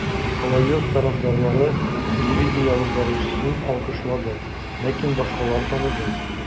Соловьев тарафдарлары телевидение алып баручысын алкышлады, ләкин башкалар таныды: